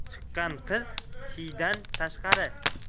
chiqqan qiz chiydan tashqari